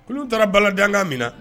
Kolon taara balajanga min na